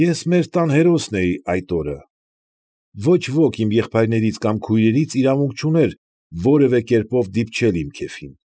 Ես մեր տան հերոսն էի այդ օրը, ոչ ոք իմ եղբայրներից կամ քույրերից իրավունք չուներ որևէ կերպով դիպչել իմ քեֆին։